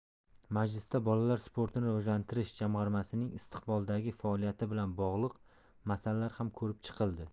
majlisda bolalar sportini rivojlantirish jamg'armasining istiqboldagi faoliyati bilan bog'liq masalalar ham ko'rib chiqildi